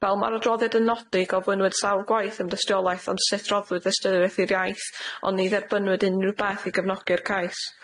Fel ma'r adroddiad yn nodi gofynnwyd sawl gwaith am dystiolaeth ond syth roddwyd ystyriaeth i'r iaith ond ni dderbynwyd unrhyw beth i gefnogi'r cais.